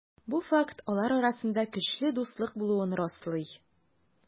Бу факт алар арасында көчле дуслык булуын раслый.